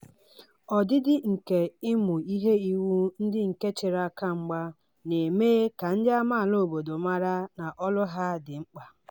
Ọdịdị nke ụmụ ihe iwu ndị nke chere aka mgba na-eme ka ndị amaala obodo mara na olu ha dị mkpa.